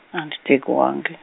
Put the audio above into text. a ndzi tekiwangi.